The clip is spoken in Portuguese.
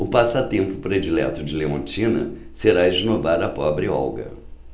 o passatempo predileto de leontina será esnobar a pobre olga